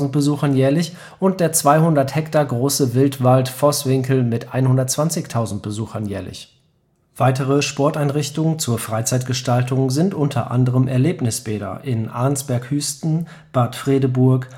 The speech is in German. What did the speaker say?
Besuchern jährlich und der 200 ha große Wildwald Voßwinkel mit 120.000 Besuchern jährlich. Weitere Sporteinrichtungen zur Freizeitgestaltung sind unter anderem Erlebnisbäder in Arnsberg-Hüsten, Bad Fredeburg